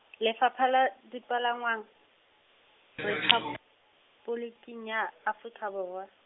Lefapha la Dipalangwang, Rephaboliking, ya , Afrika Borwa.